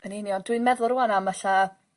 Yn union dwi'n meddwl rŵan am ylla